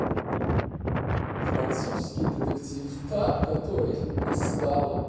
французский детектив та которой не стало